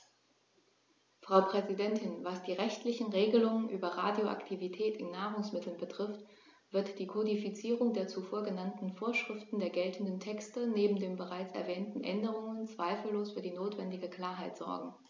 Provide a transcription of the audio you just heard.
Frau Präsidentin, was die rechtlichen Regelungen über Radioaktivität in Nahrungsmitteln betrifft, wird die Kodifizierung der zuvor genannten Vorschriften der geltenden Texte neben den bereits erwähnten Änderungen zweifellos für die notwendige Klarheit sorgen.